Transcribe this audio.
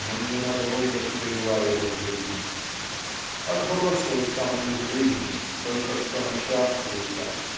но не надолго впрягла его жизнь" отбросил самую жизнь только что начавшуюся